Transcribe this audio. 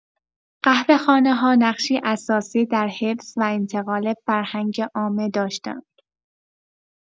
قهوه‌خانه‌ها نقشی اساسی در حفظ و انتقال فرهنگ عامه داشتند.